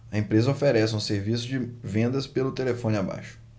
a empresa oferece um serviço de vendas pelo telefone abaixo